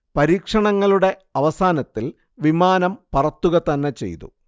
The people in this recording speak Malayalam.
പരീക്ഷണങ്ങളുടെ അവസാനത്തിൽ വിമാനം പറത്തുകതന്നെ ചെയ്തു